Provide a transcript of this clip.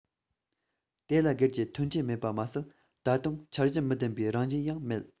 དེ ལ སྒེར གྱི ཐོན སྐྱེད མེད པ མ ཟད ད དུང འཆར གཞི མི ལྡན པའི རང བཞིན ཡང མེད